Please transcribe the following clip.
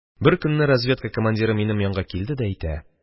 Беркөнне разведка командиры минем янга килде дә әйтә: